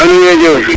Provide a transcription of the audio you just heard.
nam nu mbi'u ye Diouf